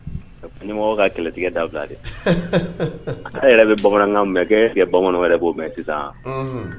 Ɲɔmɔgɔ ka kɛlɛtigɛ dabiladɛ, e yɛrɛ bɛ bamanankan min mɛ, ko est ce que bamananw wɛrɛ b'o mɛn sisan